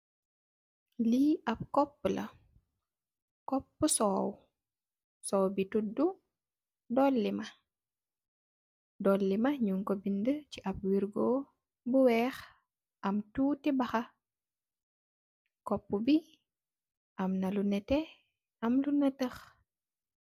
Li ap kopula kopu soow, soow bi munge tudu dolima ,dolima nyung ku bin nde bu wekh ak tuti haha kopu b amnala neteh